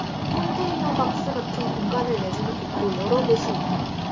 컨테이너 박스 같은 공간을 내주는 곳도 여러 곳이 있다